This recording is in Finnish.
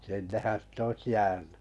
sinnehän sitä olisi jäänyt